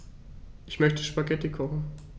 Ich möchte Spaghetti kochen.